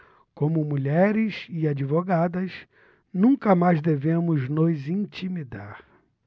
como mulheres e advogadas nunca mais devemos nos intimidar